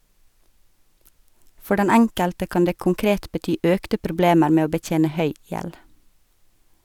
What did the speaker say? For den enkelte kan det konkret bety økte problemer med å betjene høy gjeld.